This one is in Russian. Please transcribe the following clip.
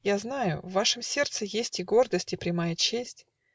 Я знаю: в вашем сердце есть И гордость и прямая честь.